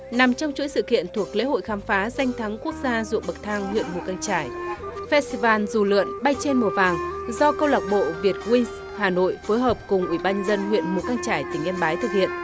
nằm trong chuỗi sự kiện thuộc lễ hội khám phá danh thắng quốc gia ruộng bậc thang huyện mù cang chải phét ti van dù lượn bay trên mùa vàng do câu lạc bộ việt guynh hà nội phối hợp cùng ủy ban nhân dân huyện mù cang chải tỉnh yên bái thực hiện